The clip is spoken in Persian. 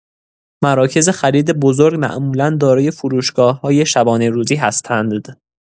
مراکز خرید بزرگ معمولا دارای فروشگاه‌های شبانه‌روزی هستند.